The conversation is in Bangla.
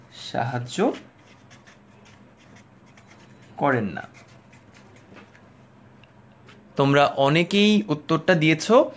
সাহায্য করেন না তোমরা অনেকেই উত্তরটা দিয়েছো